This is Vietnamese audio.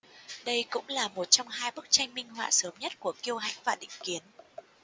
đây cũng là một trong hai bức tranh minh họa sớm nhất của kiêu hãnh và định kiến